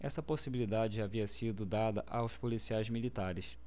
essa possibilidade já havia sido dada aos policiais militares